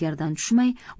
egardan tushmay